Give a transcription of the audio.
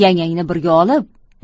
yangangni birga olib